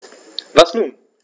Was nun?